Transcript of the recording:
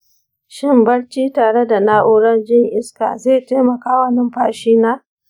shin barci tare da na'urar jin iska zai taimaka wa numfashina?